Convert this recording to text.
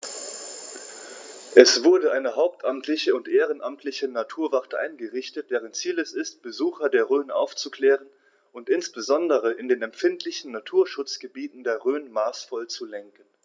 Es wurde eine hauptamtliche und ehrenamtliche Naturwacht eingerichtet, deren Ziel es ist, Besucher der Rhön aufzuklären und insbesondere in den empfindlichen Naturschutzgebieten der Rhön maßvoll zu lenken.